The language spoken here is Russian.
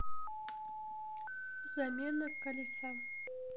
замена колеса